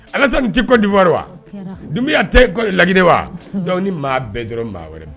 Ala nin tɛ kɔ diwa wa dunbiya tɛ laginɛe wa dɔnku ni maa bɛɛ dɔrɔn maa wɛrɛ